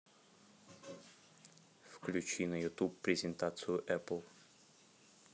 включи на ютуб презентацию эппл